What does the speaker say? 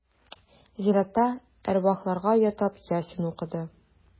Зиратта әрвахларга атап Ясин укыды.